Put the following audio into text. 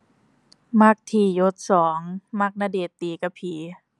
มักธี่หยดสอง มักณเดชน์ตีกับผี